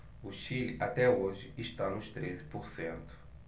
o chile até hoje está nos treze por cento